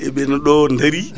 eɓena ɗo daari